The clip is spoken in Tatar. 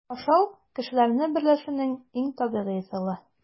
Ашау - кешеләрне берләшүнең иң табигый ысулы.